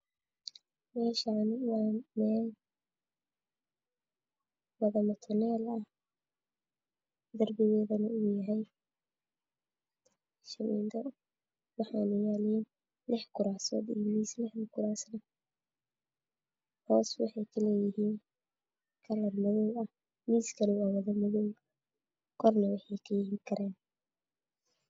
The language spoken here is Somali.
Meeshaani waa meel mutuleel darbiga shamiito kuraas miis kalarkisa madow korna waxay ka yihiin kareen